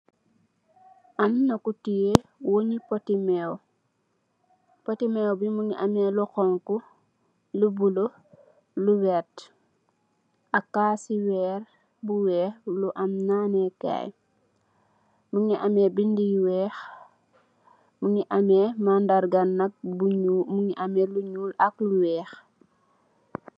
Amna ku teyeh wuñ nyi pot ti meew. Pot ti meew bi mungi ame lu xonxo, lu bolu, lu werta, ak kass ci weer bu weex lu am nanee kai, mungi ame binduh yu weex mungi ame mandarga nak bu ñuul mungi ame lu ñuul ak lu weex.